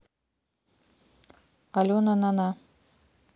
алена на на